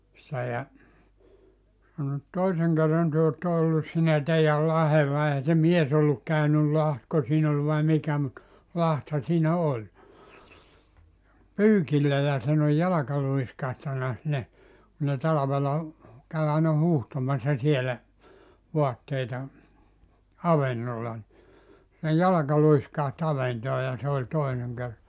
se ja sanoi että toisen kerran te olette ollut siinä teidän lahdella eihän se mies ollut käynyt lahtiko siinä oli vai mikä mutta lahtihan siinä oli pyykillä ja siinä on jalka luiskahtanut sinne kun ne talvella kävi aina huuhtomassa siellä vaatteita avannolla niin sen jalka luiskahti avantoon ja se oli toinen -